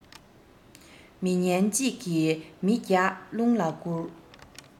མི ངན གཅིག གིས མི བརྒྱ རླུང ལ བསྐུར